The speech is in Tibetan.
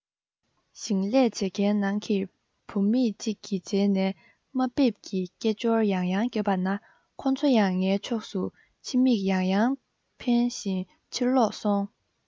ཞིང ལས བྱེད མཁན ནང གི བུ མེད ཅིག གིས རྗེས ནས དམའ འབེབས ཀྱི སྐད ཅོར ཡང ཡང བརྒྱབ པ ན ཁོ ཚོ ཡང ངའི ཕྱོགས སུ ཕྱི མིག ཡང ཡང འཕེན བཞིན ཕྱིར ལོག སོང